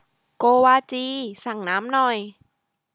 โกวาจีสั่งน้ำหน่อย